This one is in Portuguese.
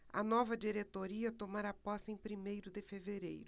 a nova diretoria tomará posse em primeiro de fevereiro